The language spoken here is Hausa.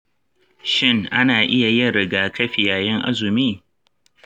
shin ana iya yin rigakafi yayin azumi?